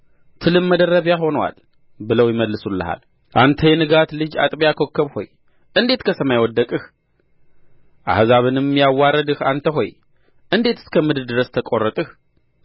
ትልም መደረቢያህ ሆኖአል ብለው ይመልሱልሃል አንተ የንጋት ልጅ አጥቢያ ኮከብ ሆይ እንዴት ከሰማይ ወደቅህ አሕዛብንም ያዋረድህ አንተ ሆይ እንዴት እስከ ምድር ድረስ ተቈረጥህ